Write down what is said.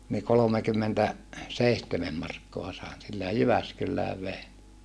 niin kolmekymmentä seitsemän markkaa sain sillä ja Jyväskylään vein